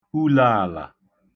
ulāàlà